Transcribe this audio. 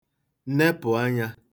nepụ̀ anyā